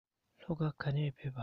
ལྷོ ཁ ག ནས ཕེབས པ